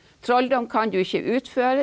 trolldom kan du ikke utføre.